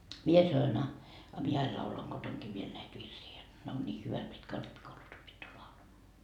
minä sanoin a a minä aina laulan kotonakin vielä näitä virsiä jotta ne on niin hyvät mitkä on rippikoulussa opittu laulamaan